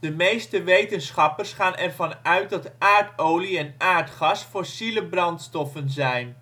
meeste wetenschappers gaan ervan uit dat aardolie en aardgas fossiele brandstoffen zijn